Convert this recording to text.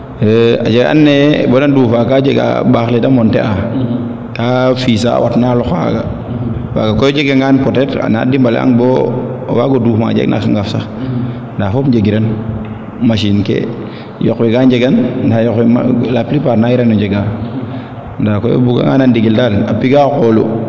a jega wa ando naye bata nduufa ka jega ɓaax le de monter a kaa fiisa a watna xa loqa xaaga kaaga koy o jega ngaan peut etre a dimbale aang bo o waago duuf ma jeg na ngaaf sax nda fop njegiran machine ke yoq we ga njegan nda yoq we la plus part nangirano njega nda koy o buga nga nan ndingil rek a pigaxa qoolu